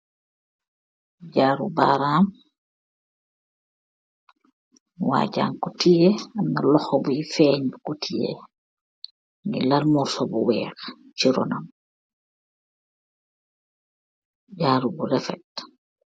Jaaarou baaram, waajang kor tiyeh, amna lokhor bui fengh bukor tiyeh, nji lal morsoh bu wekh chi rohnam, jaarou bu rafet.